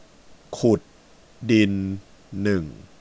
ขุดดินหนึ่ง